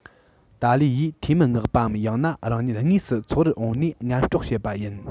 ཏཱ ལའི ཡིས འཐུས མི མངགས པའམ ཡང ན རང ཉིད དངོས སུ ཚོགས རར འོངས ནས ངན དཀྲོག བྱེད པ ཡིན